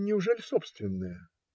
- Неужели собственная?